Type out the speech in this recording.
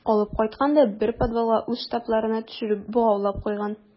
Алып кайткан да бер подвалга үз штабларына төшереп богаулап куйган.